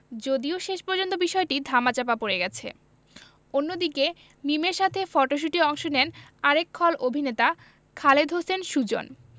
যদিও শেষ পর্যন্ত বিষয়টি ধামাচাপা পড়ে গেছে অন্যদিকে মিমের সাথে ফটশুটে অংশ নেন আরেক খল অভিনেতা খালেদ হোসেন সুজন